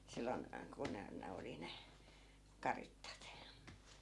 silloin kun ne ne oli ne karitsat